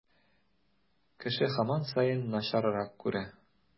Кеше һаман саен начаррак күрә.